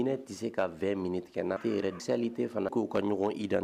Hinɛinɛ tɛ se ka v minɛ tigɛ n fɔ e yɛrɛ misali tɛ fana k'u ka ɲɔgɔn id